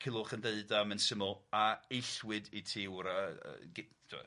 Culwch yn deud yym yn syml, a eillwyd i ti wra yy yy gy- t'wo'